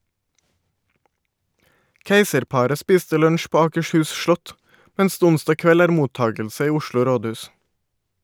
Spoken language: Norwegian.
Keiserparet spiste lunsj på Akershus slott, mens det onsdag kveld er mottakelse i Oslo rådhus.